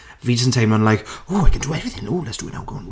Fi just yn teimlo'n like oh, I can do everything. Oh, let's do it now! Go on.